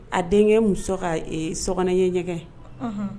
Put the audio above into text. A denkɛ muso ka sog ye ɲɛgɛn